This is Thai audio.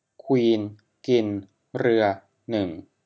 ควีนกินเรือหนึ่ง